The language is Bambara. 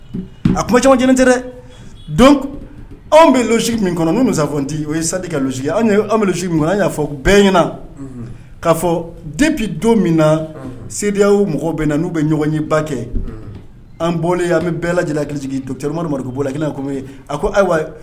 A anw bɛ lusi min kɔnɔ muti o ye sadi kɔnɔ an'a fɔ bɛɛ ɲɛnaina k ka fɔ den bi don min na seya mɔgɔ bɛ na n'u bɛ ɲɔgɔn ye ba kɛ an boli an bɛ bɛɛ lajɛlenmama bɔ kelen kɔmi a ayiwa